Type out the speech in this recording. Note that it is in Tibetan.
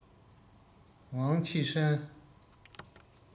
ཝང ཆི ཧྲན